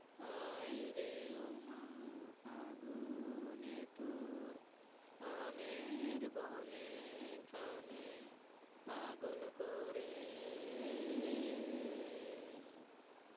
হায়রে ওমা ফাগুনে তোর আমের বনে ঘ্রাণে পাগল করে